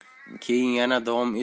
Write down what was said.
keyin yana davom